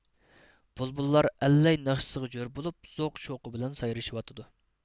بۇلبۇللار ئەللەي ناخشىسىغا جۆر بولۇپ زوق شوقى بىلەن سايرىشىۋاتىدۇ